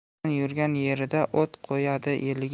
yomon yurgan yerida o't qo'yadi eliga